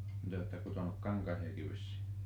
no te olette kutonut kankaitakin vissiin